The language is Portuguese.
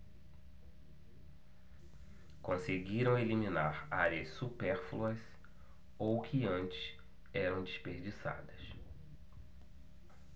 conseguiram eliminar áreas supérfluas ou que antes eram desperdiçadas